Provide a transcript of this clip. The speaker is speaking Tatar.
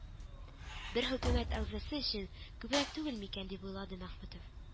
Бер хөкүмәт әгъзасы өчен күбрәк түгел микән дип уйлап куйды Мәхмүтов